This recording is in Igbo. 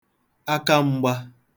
akam̄gbā